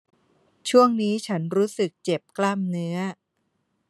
ช่วงนี้ฉันรู้สึกเจ็บกล้ามเนื้อ